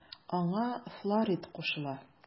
Аңа Флорид кушыла.